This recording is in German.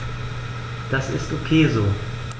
Das ist ok so.